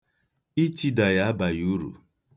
Itida ya abaghị uru.